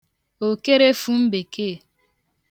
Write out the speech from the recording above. òkerefum̀bèkeè